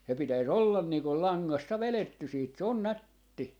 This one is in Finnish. se pitäisi olla niin kuin langasta vedetty sitten se on nätti